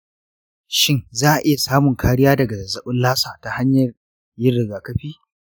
shin za a iya samun kariya daga zazzabin lassa ta hanyar yin rigakafi?